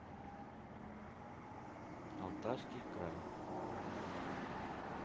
алтайский край